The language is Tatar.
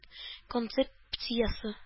Концепциясе